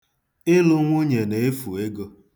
Ịlụ nwunye na-efu ego.